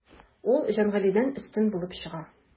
Ул Җангалидән өстен булып чыга.